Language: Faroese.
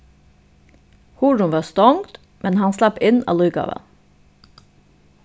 hurðin var stongd men hann slapp inn allíkavæl